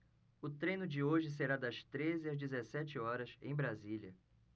o treino de hoje será das treze às dezessete horas em brasília